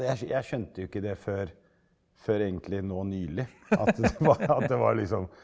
jeg jeg skjønte jo ikke det før før egentlig nå nylig at det var at det var liksom.